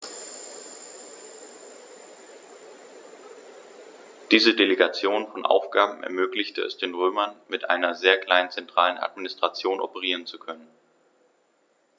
Diese Delegation von Aufgaben ermöglichte es den Römern, mit einer sehr kleinen zentralen Administration operieren zu können.